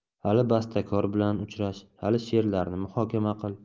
hali bastakor bilan uchrash hali she'rlarni muhokama qil